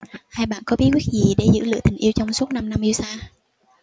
hai bạn có bí quyết gì để giữ lửa tình yêu trong suốt năm năm yêu xa